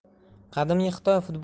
qadimgi xitoy futbol